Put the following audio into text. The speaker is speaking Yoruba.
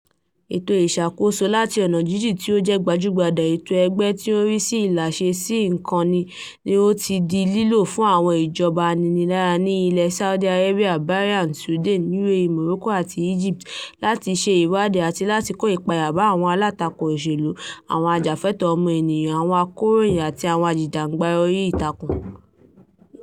"Ètò ìṣàkóso láti ọ̀nà jíjìn" tí ó jẹ́ gbajúgbajà ètò ẹgbẹ́ tí ó ń rí sí ìláṣẹ sí ìkànnì ni ó ti di lílò fún àwọn ìjọba aninilára ní ilẹ̀ Saudi Arabia, Bahrain, Sudan, UAE, Morocco àti Egypt láti ṣe ìwádìí àti láti kó ìpayà bá àwọn alátakò òṣèlú, àwọn a jà-fún-ẹ̀tọ́ ọmọnìyàn, àwọn akọ̀ròyìn, àti àwọn ajìjàgbara orí ìtàkùn.